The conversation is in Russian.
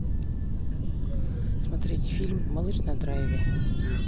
смотреть фильм малыш на драйве